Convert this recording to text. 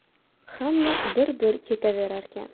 hamma bir bir ketaverarkan